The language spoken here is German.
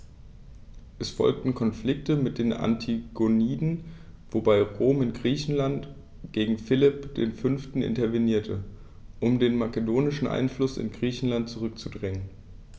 Es folgten Konflikte mit den Antigoniden, wobei Rom in Griechenland gegen Philipp V. intervenierte, um den makedonischen Einfluss in Griechenland zurückzudrängen.